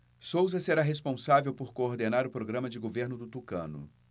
souza será responsável por coordenar o programa de governo do tucano